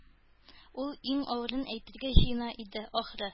Ул иң авырын әйтергә җыена иде, ахры